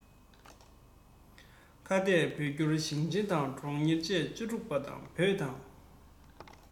ཁ གཏད བོད སྐྱོར ཞིང ཆེན དང གྲོང ཁྱེར བཅས བཅུ དྲུག དང བོད དང